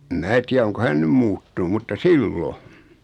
en minä tiedä onko hän nyt muuttunut mutta silloin